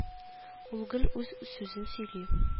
Ул гел үз сүзен сөйли